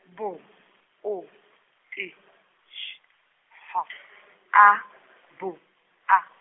B O T S H A B A.